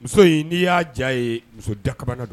Muso in n'i y'a diya ye muso daka don